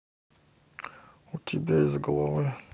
у тебя из головы